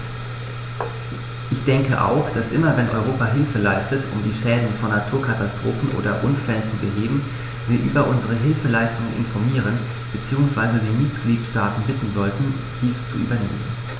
Ich denke auch, dass immer wenn Europa Hilfe leistet, um die Schäden von Naturkatastrophen oder Unfällen zu beheben, wir über unsere Hilfsleistungen informieren bzw. die Mitgliedstaaten bitten sollten, dies zu übernehmen.